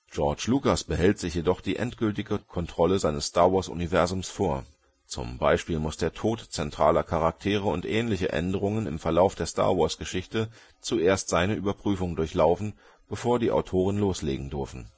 George Lucas behält sich jedoch die endgültige Kontrolle seines Star-Wars-Universums vor. Zum Beispiel muss der Tod zentraler Charaktere und ähnliche Änderungen im Verlauf der Star-Wars-Geschichte zuerst seine Überprüfung durchlaufen, bevor die Autoren loslegen dürfen